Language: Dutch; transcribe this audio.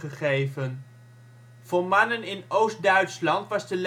gegeven. Voor mannen in Oost-Duitsland was de